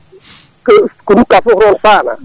ko ko rutta foof ko toon farna